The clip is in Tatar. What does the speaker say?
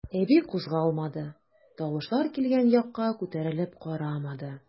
Әби кузгалмады, тавышлар килгән якка күтәрелеп карамады.